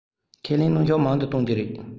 ཁས ལེན གནོན ཤུགས མང དུ གཏོང རྒྱུ རེད